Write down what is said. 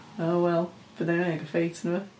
O wel, be dan ni wneud? Gael ffeit neu rywbeth.